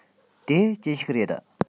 དེ ཅི ཞིག རེད